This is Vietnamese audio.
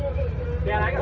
đấy